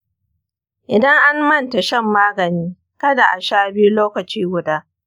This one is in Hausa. idan an manta shan magani, kada a sha biyu lokaci guda.